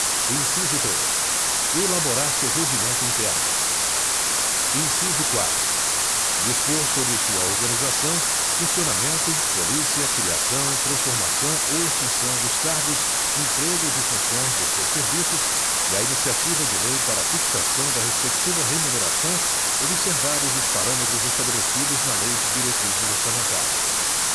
inciso três elaborar seu regimento interno inciso quatro dispor sobre sua organização funcionamento polícia criação transformação ou extinção dos cargos empregos e funções de seus serviços e a iniciativa de lei para fixação da respectiva remuneração observados os parâmetros estabelecidos na lei de diretrizes orçamentárias